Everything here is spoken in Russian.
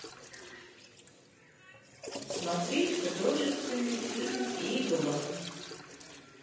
смотреть художественный фильм игла